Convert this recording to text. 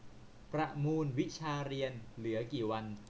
ประมูลวิชาเรียนเหลือกี่วัน